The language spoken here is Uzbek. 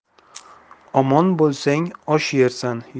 omon bo'lsang osh yersan